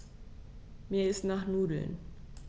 Mir ist nach Nudeln.